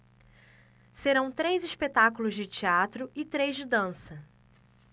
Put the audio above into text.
serão três espetáculos de teatro e três de dança